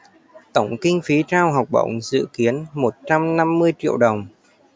tổng kinh phí trao học bổng dự kiến một trăm năm mươi triệu đồng